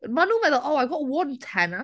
Maen nhw'n meddwl, Oh, I've got one tenner...